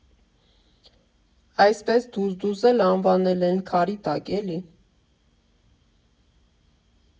Այսպես դուզ֊դուզ էլ անվանել են, քարի տակ, էլի։